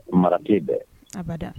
Mara tɛ yen dɛ, abada